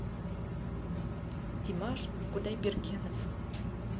димаш кудайбергенов